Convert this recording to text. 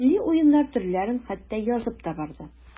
Милли уеннар төрләрен хәтта язып та барды.